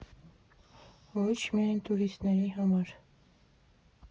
Ոչ միայն տուրիստների համար։